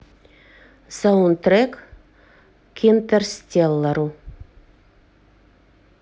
саундтрек к интерстеллару